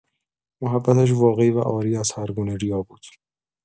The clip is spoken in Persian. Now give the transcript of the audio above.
محبتش واقعی و عاری از هرگونه ریا بود.